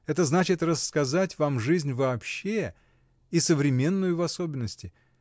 Это значит рассказать вам жизнь вообще, и современную в особенности.